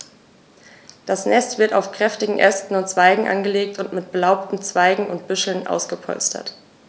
Das Nest wird aus kräftigen Ästen und Zweigen angelegt und mit belaubten Zweigen und Büscheln ausgepolstert.